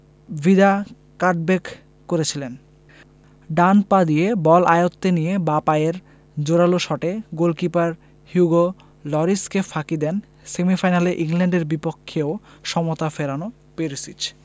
Vida cutback করেছিলেন ডান পা দিয়ে বল আয়ত্তে নিয়ে বাঁ পায়ের জোরালো শটে গোলকিপার হুগো লরিসকে ফাঁকি দেন সেমিফাইনালে ইংল্যান্ডের বিপক্ষেও সমতা ফেরানো পেরিসিচ